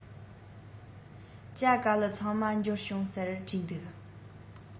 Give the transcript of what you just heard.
ཇ ག ལི ཚང མ འབྱོར བྱུང ཟེར བྲིས འདུག